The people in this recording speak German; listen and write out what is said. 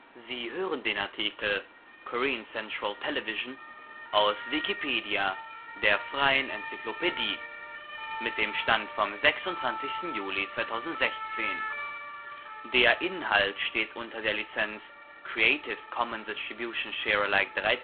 Sie hören den Artikel Koreanisches Zentralfernsehen, aus Wikipedia, der freien Enzyklopädie. Mit dem Stand vom Der Inhalt steht unter der Lizenz Creative Commons Attribution Share Alike 3